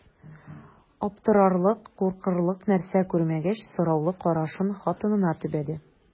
Аптырарлык, куркырлык нәрсә күрмәгәч, сораулы карашын хатынына төбәде.